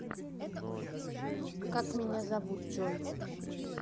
как меня зовут джой